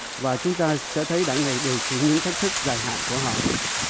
và chúng ta sẽ thấy đảng này điều chỉnh những thách thức dài hạn của họ